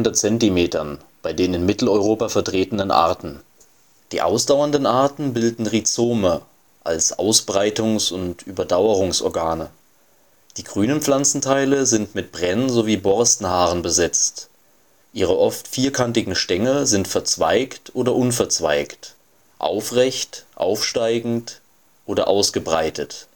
Zentimetern bei den in Mitteleuropa vertretenen Arten. Die ausdauernden Arten bilden Rhizome als Ausbreitungs - und Überdauerungsorgane. Die grünen Pflanzenteile sind mit Brenn - sowie Borstenhaaren besetzt. Ihre oft vierkantigen Stängel sind verzweigt oder unverzweigt, aufrecht, aufsteigend oder ausgebreitet